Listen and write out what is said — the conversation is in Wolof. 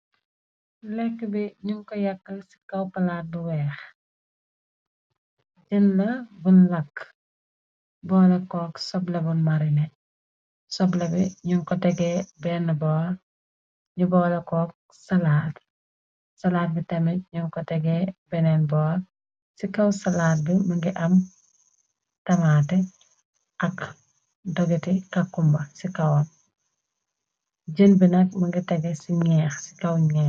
lekk bi ñung ko yakk ci kaw palaat bu weex, jën la bun làkk boor ley kook sobley bun marine. sobley bi ñung ko tegee benn ñu boor, nu boley kog salaat. Salaat bi tamit ñung ko tegee beneen boor. Ci kaw-salaat bi mëngi am tamaateh ak dogiti kakkumba ci kawaom. Jën bi nag më ngi tehgeh ci ñeeh ci kaw ñeeh.